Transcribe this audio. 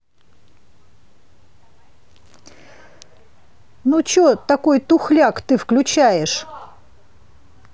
ну че такой тухляк ты включаешь